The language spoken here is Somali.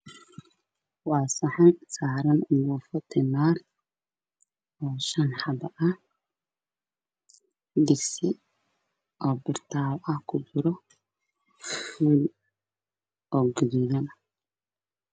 Waa saxan saaran jabaati shan xabo ah iyo suugo